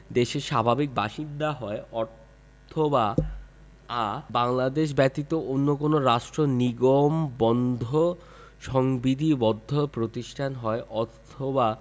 দেশের স্বাভাবিক বাসিন্দা হয় অথবা আ বাংলাদেশ ব্যতীত অন্য কোন রাষ্ট্রে নিগমবন্ধ সংবিধিবদ্ধ প্রতিষ্ঠান হয় অথবা